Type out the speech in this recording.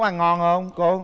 nấu ăn ngon hông cô